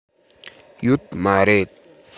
ཡོད མ རེད